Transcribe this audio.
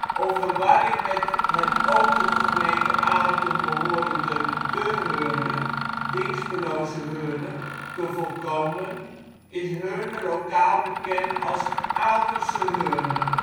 Om verwarring met het ook tot de gemeente Aalten behorende De Heurne (" Dinxperlose Heurne ") te voorkomen, is Heurne lokaal bekend als " Aaltense Heurne